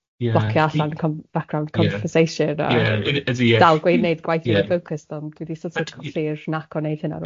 ...blocio allan com- background conversation... Ie ie. ...a dal gwneud gwaith i fi'n focused on dwi di sort of colli'r nac o wneud hynna rŵan.